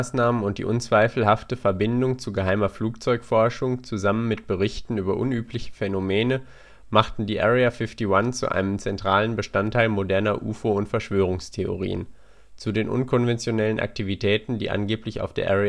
geheime Natur und die unzweifelhafte Verbindung zu geheimer Flugzeug-Forschung, zusammen mit Berichten über unübliche Phänomene, machten die Area 51 zu einem zentralen Stück moderner UFO - und Verschwörungstheorien. Zu den unkonventionellen Aktivitäten, die angeblich auf der